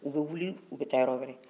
u bɛ wuli u bɛ taa yɔrɔ wɛrɛ